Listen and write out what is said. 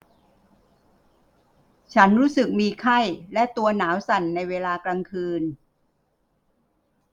ฉันรู้สึกมีไข้และตัวหนาวสั่นในเวลากลางคืน